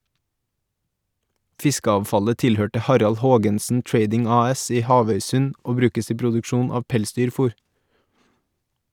Fiskeavfallet tilhørte Harald Haagensen Trading AS i Havøysund, og brukes i produksjon av pelsdyrfor.